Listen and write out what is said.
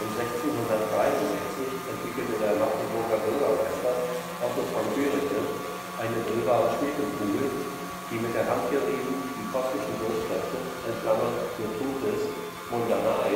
1663 entwickelte der Magdeburger Bürgermeister Otto von Guericke eine drehbare Schwefelkugel, die mit der Hand gerieben die kosmischen Wirkkräfte (virtutes mundanae